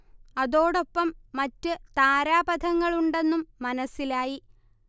അതോടൊപ്പം മറ്റ് താരാപഥങ്ങൾ ഉണ്ടെന്നും മനസ്സിലായി